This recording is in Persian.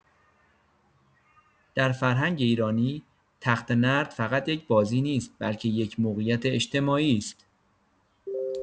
در فرهنگ ایرانی، تخته‌نرد فقط یک بازی نیست، بلکه یک موقعیت اجتماعی است.